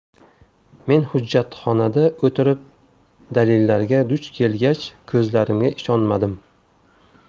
men hujjatxonada o'tirib bu dalillarga duch kelgach ko'zlarimga ishonmadim